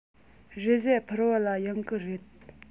རེས གཟའ ཕུར བུ ལ ཡོང གི རེད